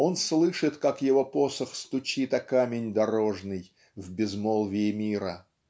он слышит, как его посох стучит о камень дорожный - в безмолвии мира